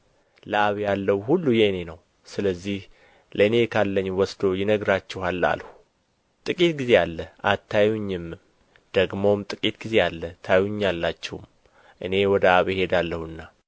ለአብ ያለው ሁሉ የእኔ ነው ስለዚህ ለእኔ ካለኝ ወስዶ ይነግራችኋል አልሁ ጥቂት ጊዜ አለ አታዩኝምም ደግሞም ጥቂት ጊዜ አለ ታዩኛላችሁም እኔ ወደ አብ እሄዳለሁና